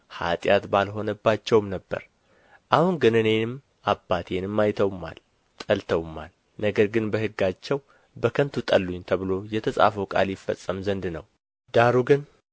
ኃጢአት ባልሆነባቸውም ነበር አሁን ግን እኔንም አባቴንም አይተውማል ጠልተውማል ነገር ግን በሕጋቸው በከንቱ ጠሉኝ ተብሎ የተጻፈው ቃል ይፈጸም ዘንድ ነው ዳሩ ግን